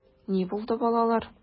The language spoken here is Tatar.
Ни булды, балалар?